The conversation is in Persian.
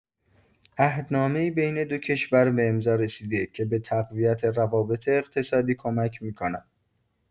عهدنامه‌ای بین دو کشور به امضا رسید که به تقویت روابط اقتصادی کمک می‌کند.